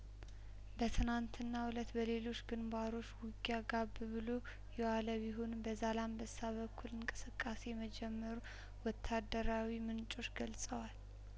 በትናንትናው እለት በሌሎች ግንባሮች ውጊያ ጋብ ብሎ የዋለ ቢሆንም በዛላንበሳ በኩል እንቅስቃሴ መጀመሩ ወታደራዊ ምንጮች ገልጸዋል